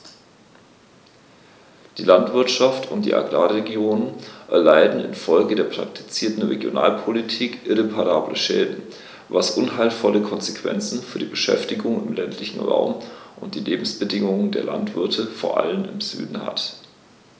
Die Landwirtschaft und die Agrarregionen erleiden infolge der praktizierten Regionalpolitik irreparable Schäden, was unheilvolle Konsequenzen für die Beschäftigung im ländlichen Raum und die Lebensbedingungen der Landwirte vor allem im Süden hat.